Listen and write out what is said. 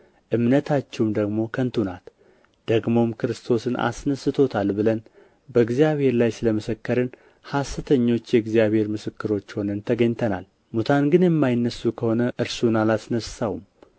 እምነታችሁም ደግሞ ከንቱ ናት ደግሞም ክርስቶስን አስነሥቶታል ብለን በእግዚአብሔር ላይ ስለ መሰከርን ሐሰተኞች የእግዚአብሔር ምስክሮች ሆነን ተገኝተናል ሙታን ግን የማይነሡ ከሆነ እርሱን አላስነሣውም